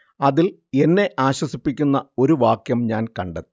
അതിൽ എന്നെ ആശ്വസിപ്പിക്കുന്ന ഒരു വാക്യം ഞാൻ കണ്ടെത്തും